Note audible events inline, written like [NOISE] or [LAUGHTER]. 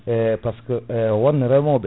e par ce que [HESITATION] won reemoɓe